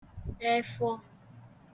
ẹfọ